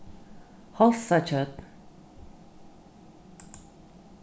hálsatjørn